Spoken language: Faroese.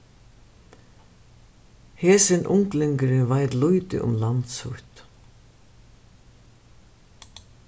hesin unglingurin veit lítið um land sítt